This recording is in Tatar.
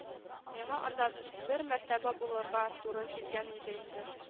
Миңа анда бер мәртәбә булырга туры килгән иде инде